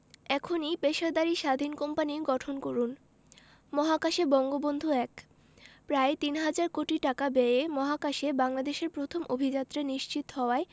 এখনি পেশাদারি স্বাধীন কোম্পানি গঠন করুন মহাকাশে বঙ্গবন্ধু ১ প্রায় তিন হাজার কোটি টাকা ব্যয়ে মহাকাশে বাংলাদেশের প্রথম অভিযাত্রা নিশ্চিত হওয়া